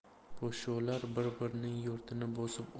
podsholar bir birining yurtini bosib